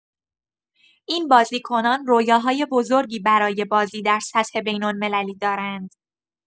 این بازیکنان رویاهای بزرگی برای بازی در سطح بین‌المللی دارند.